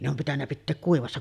ne on pitänyt pitää kuivassa